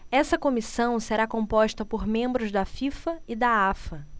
essa comissão será composta por membros da fifa e da afa